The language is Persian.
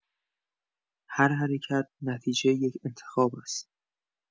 هر حرکت، نتیجه یک انتخاب است؛